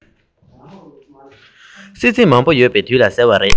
ཙི ཙི མང པོ ཡོད པའི དུས ལ ཟེར བ རེད